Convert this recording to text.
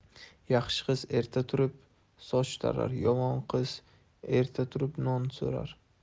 yaxshi qiz erta turib soch tarar yomon qiz erta turib non so'rar